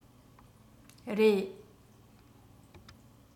རེད